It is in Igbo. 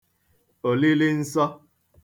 Òlilinsọ